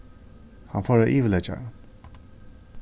hann fór á yvirliggjaran